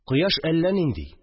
Кояш әллә нинди